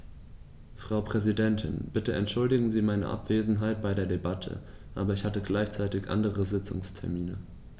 Frau Präsidentin, bitte entschuldigen Sie meine Abwesenheit bei der Debatte, aber ich hatte gleichzeitig andere Sitzungstermine.